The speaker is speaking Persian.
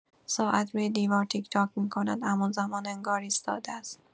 ساعت روی دیوار تیک‌تاک می‌کند، اما زمان انگار ایستاده است.